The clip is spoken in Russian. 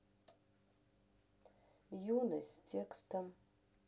юность с текстом